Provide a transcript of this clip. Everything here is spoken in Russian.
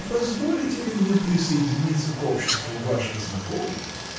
не позволите ли мне присоединиться к обществу ваших знакомых?